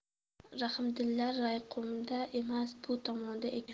rahmdillar rayqo'mda emas bu tomonda ekan